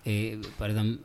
Ee par exemple